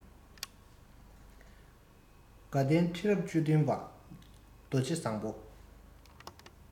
དགའ ལྡན ཁྲི རབས བཅུ བདུན པ རྡོ རྗེ བཟང པོ